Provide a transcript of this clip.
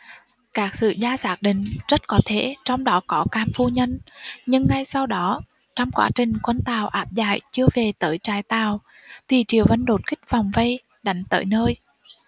các sử gia xác định rất có thể trong đó có cam phu nhân nhưng ngay sau đó trong quá trình quân tào áp giải chưa về tới trại tào thì triệu vân đột kích vòng vây đánh tới nơi